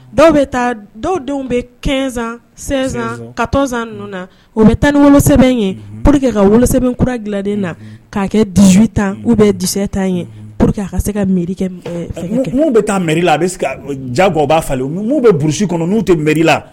Dɔw bɛ taa dɔw denw bɛ kɛsansan ka tɔnsan o bɛ tan nisɛ ye po que ka sɛbɛn kura dilanlen na k'a kɛ dizsi tan u bɛ disɛ tan ye po que a ka se ka mi bɛ taala a bɛ jaba falenu bɛurusi kɔnɔ n'u tɛ m la